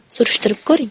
surishtirib ko'ring